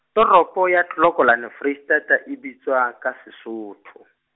toropo ya Clocolan Foreisetata e bitswang, ka Sesotho?